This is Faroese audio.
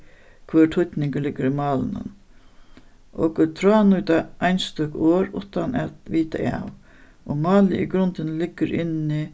hvør týdningur liggur í málinum okur tránýta einstøk orð uttan at vita av um málið í grundini liggur inni